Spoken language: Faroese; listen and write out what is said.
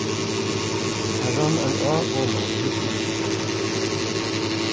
tað rann ein á oman í lítluvík